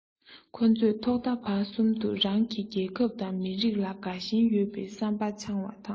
ཁོ ཚོས ཐོག མཐའ བར གསུམ དུ རང གི རྒྱལ ཁབ དང མི རིགས ལ དགའ ཞེན ཡོད པའི བསམ པ འཆང བ དང